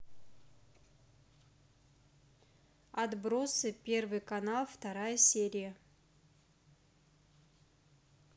отбросы первый сезон вторая серия